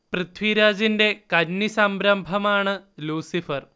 പൃഥ്വിരാജിന്റെ കന്നി സംരംഭമാണ് ലൂസിഫർ